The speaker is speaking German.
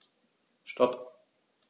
Stop.